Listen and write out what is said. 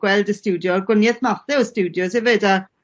gweld y stiwdio a'r gwanieth mathe o stiwdios hefyd a